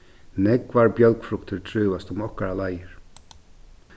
nógvar bjølgfruktir trívast um okkara leiðir